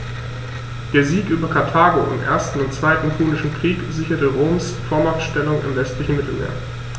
Der Sieg über Karthago im 1. und 2. Punischen Krieg sicherte Roms Vormachtstellung im westlichen Mittelmeer.